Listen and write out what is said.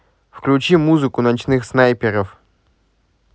включи музыку ночных снайперов